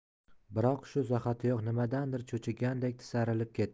biroq shu zahotiyoq nimadandir cho'chigandek tisarilib ketdi